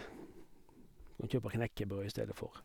Kan kjøpe knekkebrød i stedet for.